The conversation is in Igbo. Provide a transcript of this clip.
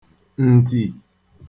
ǹtì